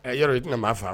Yɔrɔ' tɛna maa faa